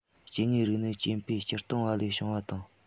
སྐྱེ དངོས རིགས ནི སྐྱེ འཕེལ སྤྱིར བཏང བ ལས འབྱུང བ དང